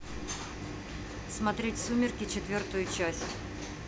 смотреть сумерки четвертую часть